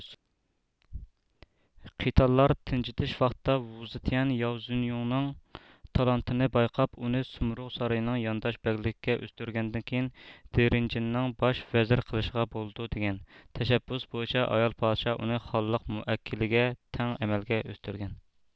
قىتانلار تىنجىتىش ۋاقتىدا ۋۇ زېتيەن ياۋ يۈنزۇڭنىڭ تالانتىنى بايقاپ ئۇنى سۇمرۇغ سارىيىنىڭ يانداش بەگلىكىگە ئۆستۈرگەن كېيىن دېرېنجىنىڭ باش ۋەزىر قىلىشقا بولىدۇ دېگەن تەشەببۇس بويىچە ئايال پادىشاھ ئۇنى خانلىق مۇئەككىلىگە تەڭ ئەمەلگە ئۆستۈرگەن